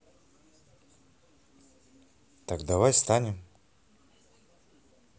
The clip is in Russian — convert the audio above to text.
так давай станем